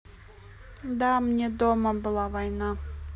да мне дома была война